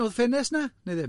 Oedd ffenest yna neu ddim?